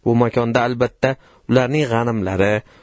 bu makonda albatta ularning g'animlari